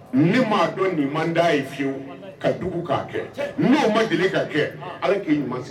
Ne ma dɔn nin ma d'a ye fiyewu ka tugu k'a kɛ n'o ma deli ka kɛ Ala k'i ɲuman segin